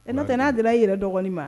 No tɛ n'a d e yɛrɛ dɔgɔnini ma